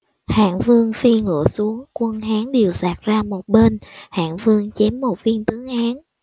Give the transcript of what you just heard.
hạng vương phi ngựa xuống quân hán đều giạt ra một bên hạng vương chém một viên tướng hán